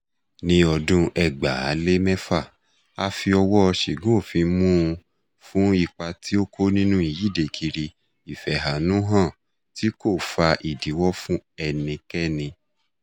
Ní ọdún 2006, a fi ọwọ́ọ ṣìgún òfin mú u fún ipa tí ó kó nínú ìyíde kiri ìfẹ̀hànnúhàn tí kò fa ìdíwọ́ fún ẹnikẹ́ni.